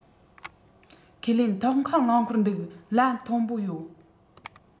ཁས ལེན ཐོག ཁང རླངས འཁོར འདུག གླ མཐོ པོ ཡོད